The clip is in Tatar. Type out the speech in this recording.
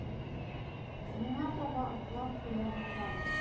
Миңа таба ыслап килә башлады.